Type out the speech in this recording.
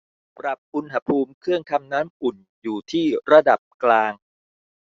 ปรับอุณหภูมิเครื่องทำน้ำอุ่นอยู่ที่ระดับกลาง